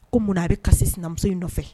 Ko munna a bɛ kasi sinamuso in nɔfɛ